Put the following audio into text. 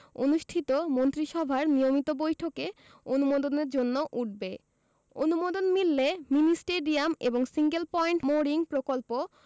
অনুষ্ঠিত মন্ত্রিসভার নিয়মিত বৈঠকে অনুমোদনের জন্য উঠবে অনুমোদন মিললে মিনি স্টেডিয়াম এবং সিঙ্গেল পয়েন্ট মোরিং প্রকল্প